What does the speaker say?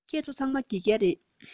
ཁྱེད ཚོ ཚང མ དགེ རྒན རེད